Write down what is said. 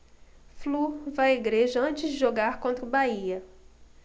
flu vai à igreja antes de jogar contra o bahia